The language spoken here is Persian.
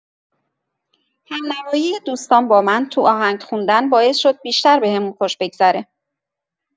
همنوایی دوستام با من تو آهنگ خوندن باعث شد بیشتر بهمون خوش بگذره.